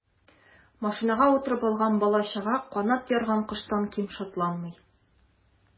Машинага утырып алган бала-чага канат ярган коштан ким шатланмый.